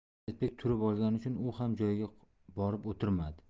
asadbek turib olgani uchun u ham joyiga borib o'tirmadi